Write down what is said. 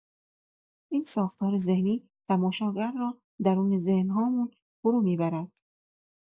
این ساختار ذهنی، تماشاگر را درون ذهن‌هامون فرومی‌برد.